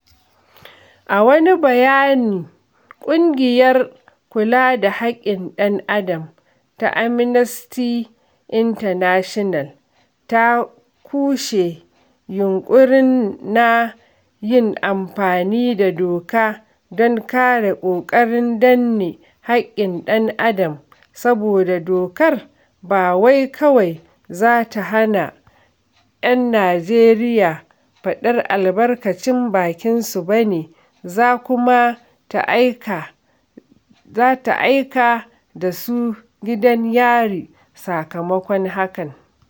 A wani bayani, ƙungiyar kula da haƙƙin ɗan adam ta Amnesty International ta kushe yunƙurin na "yin amfani da doka don kare ƙoƙarin danne haƙƙin ɗan adam", saboda dokar ba wai kawai za ta hana 'yan Nijeriya "faɗar albarkacin bakinsu bane", za kuma ta "aika da su gidan yari sakamakon haka".